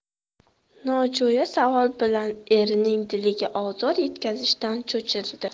nojo'ya savol bilan erining diliga ozor yetkazishdan cho'chirdi